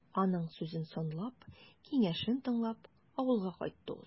Аның сүзен санлап, киңәшен тыңлап, авылга кайтты ул.